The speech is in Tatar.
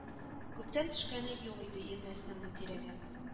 Күптән төшкәне юк иде Ирнәснең бу тирәгә